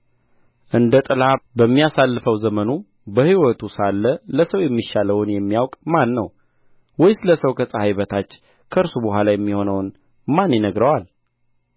እንደ ጥላ በሚያሳልፈው ዘመኑ በሕይወቱ ሳለ ለሰው የሚሻለውን የሚያውቅ ማነው ወይስ ለሰው ከፀሐይ በታች ከእርሱ በኋላ የሚሆነውን ማን ይነግረዋል